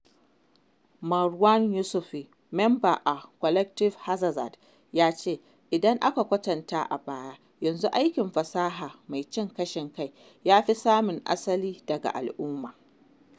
Marouane Youssoufi, mamba a Collectif Hardzazat ya ce, ''Idan aka kwatanta da baya, yanzu aikin fasaha mai cin gashi kai ya fi samun asali daga al'umma''.